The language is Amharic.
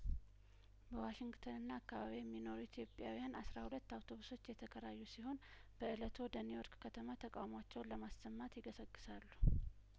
በዋሽንግተንና አካባቢዋ የሚኖሩ ኢትዮጵያውያን አስራ ሁለት አውቶቡሶች የተከራዩ ሲሆን በእለቱ ወደ ኒውዮርክ ከተማ ተቃውሟቸውን ለማሰማት ይገሰግሳሉ